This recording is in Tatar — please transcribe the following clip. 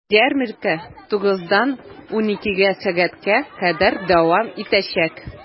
Ярминкә 9 дан 12 сәгатькә кадәр дәвам итәчәк.